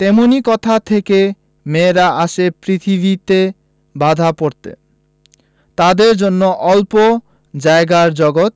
তেমনি কোথা থেকে মেয়েরা আসে পৃথিবীতে বাঁধা পড়তে তাদের জন্য অল্প জায়গার জগত